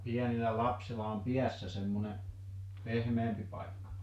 no pienillä lapsilla on päässä semmoinen pehmeämpi paikka